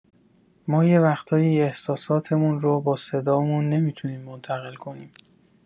ما یه وقتایی احساساتمون رو با صدامون نمی‌تونیم منتقل کنیم.